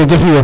jerejef iyo